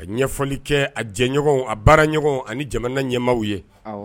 A ɲɛfɔli kɛ a jɛɲɔgɔn a baara ɲɔgɔn ani jamana ɲɛmaa ye